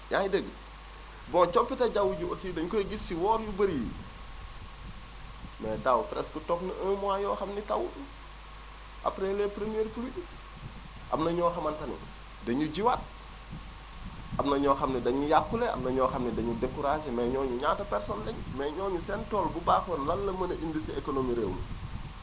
yaa ngi dégg bon coppite jaww ji aussi dañu koy gis si woor yu bëri yi mais daaw presque toog na un mois yoo xam ni tawul après les premières pluies am na ñoo xamante ni dañuy jiwaat am nañoo xamante ni dañu yàqule am na ñoo xam ni dañu découragé mais ñooñu ñaata personnes la ñu mais ñooñu seen tool bu baaxoon fan la mën a indi sa économie réew